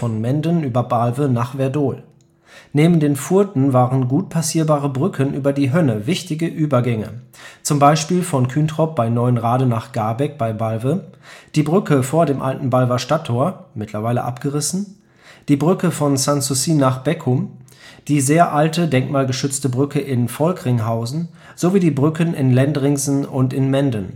Menden über Balve nach Werdohl. Neben den Furten waren gut passierbare Brücken über die Hönne wichtige Übergänge zum Beispiel von Küntrop (Neuenrade) nach Garbeck (Balve), die Brücke vor dem alten Balver Stadttor (abgerissen), die Brücke von Sanssouci (Balve) nach Beckum (Balve), die sehr alte, denkmalgeschützte Brücke in Volkringhausen (Balve) sowie die Brücken in Lendringsen und in Menden